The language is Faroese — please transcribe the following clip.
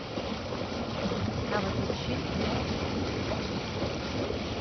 hava tit skilt meg